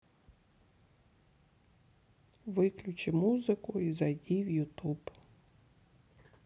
выключи музыку и зайди в ютуб